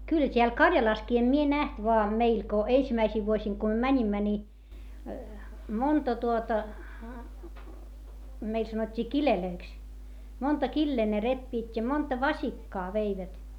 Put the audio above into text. kyllähän täällä Karjalassakin en minä nähnyt vaan meillä kun ensimmäisinä vuosina kun me menimme niin monta tuota meille sanottiin kileiksi monta kiliä ne repivät ja monta vasikkaa veivät